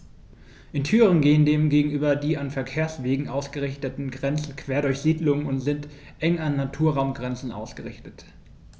In Thüringen gehen dem gegenüber die an Verkehrswegen ausgerichteten Grenzen quer durch Siedlungen und sind eng an Naturraumgrenzen ausgerichtet.